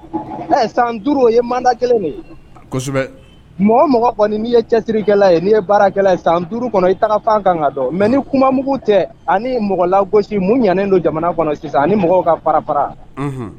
San 5 o yeda kelen de ye, kosɛbɛ, mɔgɔ o mɔgɔ kɔni n'i ye cɛsiri kɛla ye n'i ye baarakɛla ye san 5 kɔnɔ i tagafan ka kan ka dɔn mais ni kuma mugu tɛ ani mɔgɔ lagosi mun ɲanlen don jamana kɔnɔ sisan ani mɔgw ka ka fara fara!